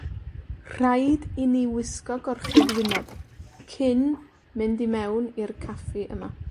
Rhaid i ni wisgo gorchudd wyneb cyn mynd i mewn i'r caffi yma.